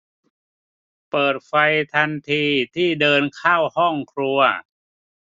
เปิดไฟทันทีที่เดินเข้าห้องครัว